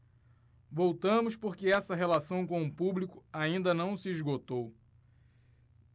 voltamos porque essa relação com o público ainda não se esgotou